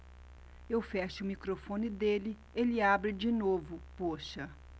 eu fecho o microfone dele ele abre de novo poxa